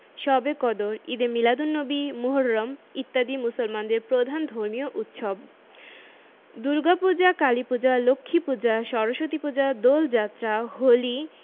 শবে কদর ঈদে মীলাদুননবী মুহররম ইত্যাদি মুসলমানদের প্রধান ধর্মীয় উৎসব দুর্গাপূজা কালীপূজা লক্ষ্মীপূজা সরস্বতীপূজা দোলযাত্রা হোলি